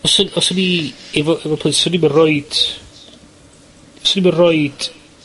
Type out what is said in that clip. os o'n, os o'n i efo efo plen- 'swn i'm yn roid, 'swn i'm y roid,